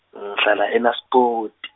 ngihlala e- Nasipoti.